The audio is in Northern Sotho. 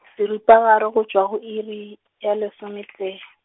seripagare go tšwa go iri, ya lesometee.